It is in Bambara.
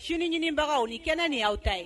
Su ɲinibagaw ni kɛnɛ nin aw ta ye